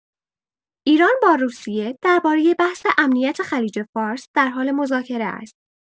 ایران با روسیه درباره بحث امنیت خلیج‌فارس در حال مذاکره است.